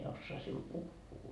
en osaa sinulle puhua